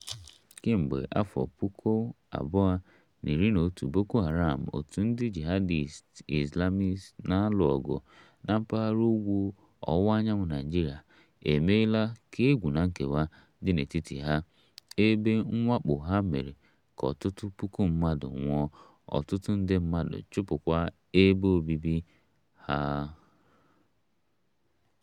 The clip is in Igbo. Kemgbe afọ 2011, Boko Haram, otu ndị jihadist Islamist na-alụ ọgụ na mpaghara ugwu ọwụwa anyanwụ Naịjirịa, emeela ka egwu na nkewa dị n'etiti ha, ebe mwakpo ha mere ka ọtụtụ puku mmadụ nwụọ, ọtụtụ nde mmadụ chụpụkwa ebe obibi ha.